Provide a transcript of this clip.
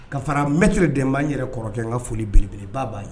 Ka fara murredenba yɛrɛ kɔrɔkɛ kɛ n ka foli belebeleba b'a ye